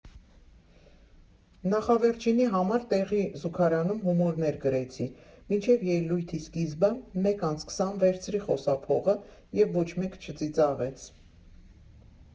Նախավերջինի համար տեղի զուգարանում հումորներ գրեցի, մինչև ելույթի սկիզբը, մեկ անց քսան վերցրի խոսափողը և ոչ մեկ չծիծաղեց։